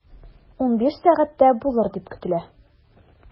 15.00 сәгатьтә булыр дип көтелә.